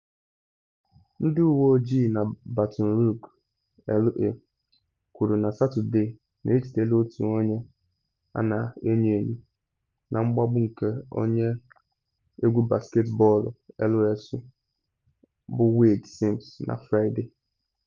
Ndị uwe ojii na Baton Rouge, La., kwuru na Satọde na ejidela otu onye a na enyo enyo na mgbagbu nke onye egwu basketbọọlụ LSU bụ Wayde Sims na Fraịde.